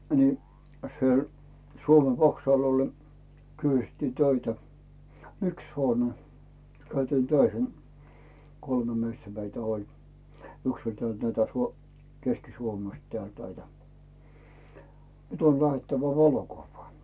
niin siellä Suomen vaksal oli ne kysyttiin töitä yksi huone käytiin töihin kolme miestä meitä oli yksi oli täältä näitä - Keski-Suomesta täältä näitä nyt on lähdettävä valokuvaan